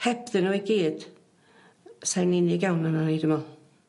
Hebddyn n'w i gyd sai'n unig iawn arno ni dwi me'wl.